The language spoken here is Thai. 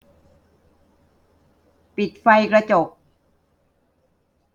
ปิดไฟกระจก